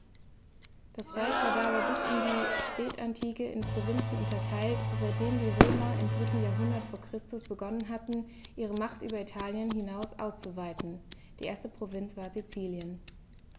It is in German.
Das Reich war dabei bis in die Spätantike in Provinzen unterteilt, seitdem die Römer im 3. Jahrhundert vor Christus begonnen hatten, ihre Macht über Italien hinaus auszuweiten (die erste Provinz war Sizilien).